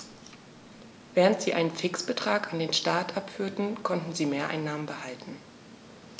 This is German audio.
Während sie einen Fixbetrag an den Staat abführten, konnten sie Mehreinnahmen behalten.